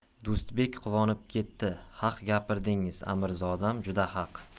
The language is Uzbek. do'stbek quvonib ketdi haq gapirdingiz amirzodam juda haq